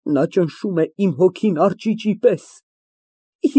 Նա ճնշում է իմ հոգին արճիճի պես։